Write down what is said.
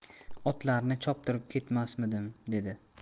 otlarni choptirib ketmasmidim dedi